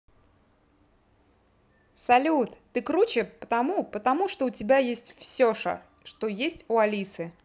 салют ты круче потому потому что у тебя есть всеша что есть у алисы